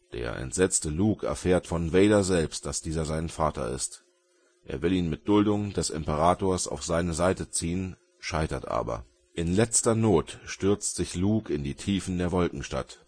Der entsetzte Luke erfährt von Vader selbst, dass dieser sein Vater ist. Er will ihn mit Duldung des Imperators auf seine Seite ziehen, scheitert aber. In letzter Not stürzt sich Luke in die Tiefen der Wolkenstadt